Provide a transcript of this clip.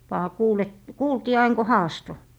vain kuuli että kuultiin aina kun haastoi